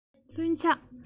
ལྷུན ཆགས